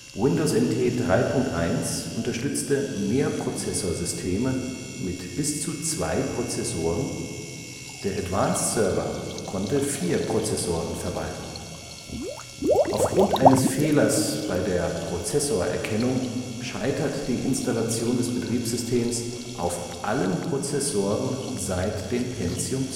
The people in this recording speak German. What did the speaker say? Windows NT 3.1 unterstützte Mehrprozessorsysteme mit bis zu zwei Prozessoren, der Advanced Server konnte vier Prozessoren verwalten. Aufgrund eines Fehlers bei der Prozessorerkennung scheitert die Installation des Betriebssystems auf allen Prozessoren seit dem Pentium